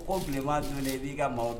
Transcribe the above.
A ko bilenman don b'i ka maa